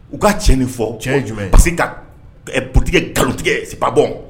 U ka tiɲɛ de fɔ tiɲɛ ye jumɛ ye parce que ka ɛɛ politique kɛ galon tigɛ ye c'est pas bon